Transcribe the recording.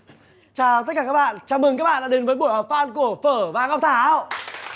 chào tất cả các bạn chào mừng các bạn đến với buổi họp phan của phở và ngọc thảo